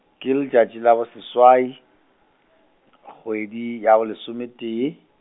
ke letšatši la bo seswai , kgwedi ya bo lesometee.